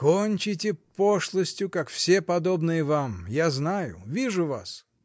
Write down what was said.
— Кончите пошлостью, как все подобные вам. Я знаю, вижу вас.